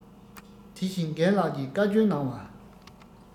དེ བཞིན རྒན ལགས ཀྱིས བཀའ བཀྱོན གནང བ